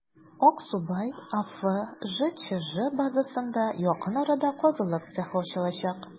«аксубай» аф» җчҗ базасында якын арада казылык цехы ачылачак.